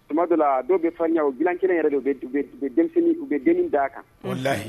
Tuma dɔ la, a dɔw bɛ fariɲa, o dilan kelen yɛrɛ u bi denin u bɛ den kelen u ɛ den d'a kan, walahi